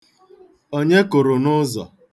Onye kụrụ n'ụzọ?